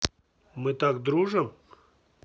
мы так дружим